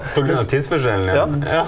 pga. tidsforskjellen ja?